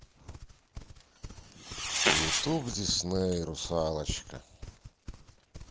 ютуб дисней русалочка